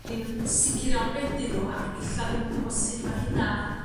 ddim yn sicr iawn be 'dyn n'w ag ella ddim yn gw'bod sud ma' hynna